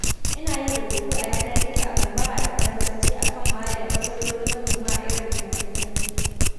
Ina rubutu a yanar gizo a Bambara da Faransanci a kan Mali da matsalolin manoma a irin tunanina